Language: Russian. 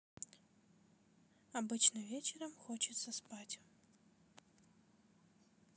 обычно вечером хочется спать